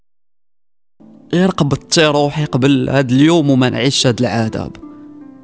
ارق بتروحي قبل اليوم نعيش العذاب